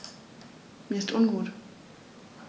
Mir ist ungut.